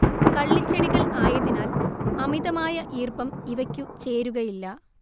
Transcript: കള്ളിച്ചെടികൾ ആയതിനാൽ അമിതമായ ഈർപ്പം ഇവക്കു ചേരുകയില്ല